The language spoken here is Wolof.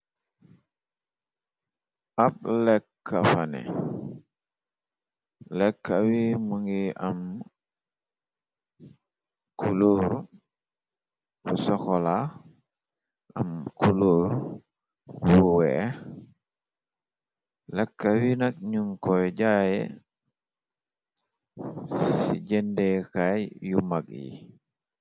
Ab lekka fane lekkawi mu ngi am kuluur ru soxola am kulur yu weex lekkawi nak nun koy jaaye ci jëndeekaay yu mag yi.